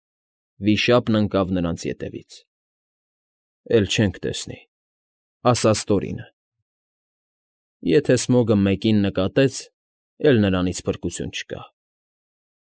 Վիշապն ընկավ նրանց ետևից։ ֊ Էլ չենք տեսնի…֊ ասաց Տորինը։ ֊ Եթե Սմոգը մեկին նկատեց, էլ նրանից փրկություն չկա։